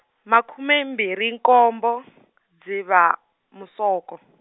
makhume mbirhi nkombo , Dzivamusoko.